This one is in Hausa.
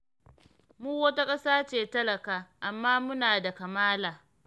“Mu wata ƙasa ce talaka, amma muna da kamala.